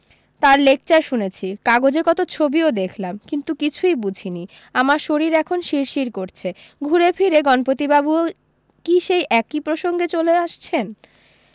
তার লেকচার শুনেছি কাগজে কত ছবিও দেখলাম কিন্তু কিছুই বুঝিনি আমার শরীর এখন শিরশির করছে ঘুরে ফিরে গণপতিবাবুও কী সেই একি প্রসঙ্গে চলে আসছেন